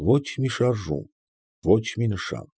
Ոչ մի շարժում, ոչ մի նշան։